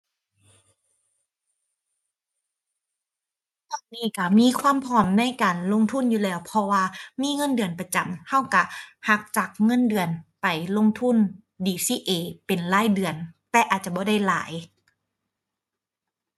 ก็มีความพร้อมในการลงทุนอยู่แล้ว เพราะว่ามีเงินเดือนประจำ ก็ก็หักจากเงินเดือนไปลงทุน DCA เป็นรายเดือน แต่อาจจะบ่ได้หลาย